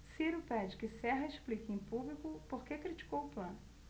ciro pede que serra explique em público por que criticou plano